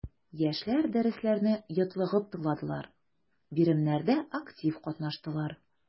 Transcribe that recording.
Яшьләр дәресләрне йотлыгып тыңладылар, биремнәрдә актив катнаштылар.